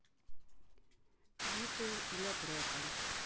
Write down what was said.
биты для трека